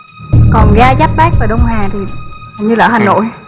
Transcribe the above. còn ga giáp bát và đông hà thì hình như là ở hà nội